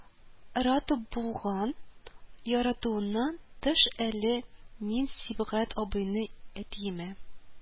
Рата булган яратуыннан тыш әле мин сибгат абыйны әтиемә